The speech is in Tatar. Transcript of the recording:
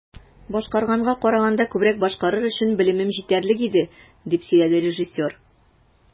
"башкарганга караганда күбрәк башкарыр өчен белемем җитәрлек иде", - дип сөйләде режиссер.